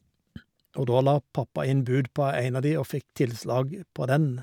Og da la pappa inn bud på en av de og fikk tilslag på den.